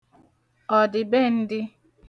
ọ̀dị̀bendị̄